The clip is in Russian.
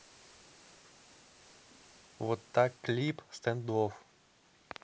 вот так клип standoff